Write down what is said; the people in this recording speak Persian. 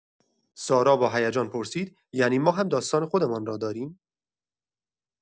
سارا با هیجان پرسید: «یعنی ما هم‌داستان خودمان را داریم؟»